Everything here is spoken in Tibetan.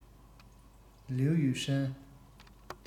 ལིའུ ཡུན ཧྲན